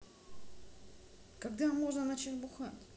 когда можно начать бухать